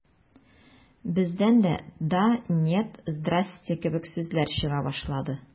Бездән дә «да», «нет», «здрасте» кебегрәк сүзләр чыга башлады.